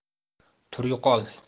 tur yo'qol